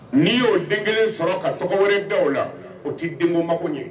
N'i y'o den kelen sɔrɔ ka tɔgɔ wɛrɛ da o la, o t'i denko mako ɲɛ